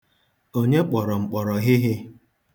Onye kpọrọ mkpọrọhịhị?